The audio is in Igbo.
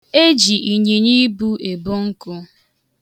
E ji ịnyịnyiibu ebu nkụ.